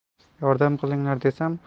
yordam qilinglar desam